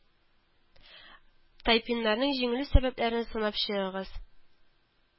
Тайпиннарның җиңелү сәбәпләрен санап чыгыгыз